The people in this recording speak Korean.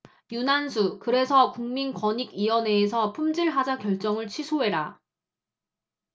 윤한수 그래서 국민권익위원회에서 품질 하자 결정을 취소해라